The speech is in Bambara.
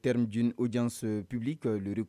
thème d'une audience publique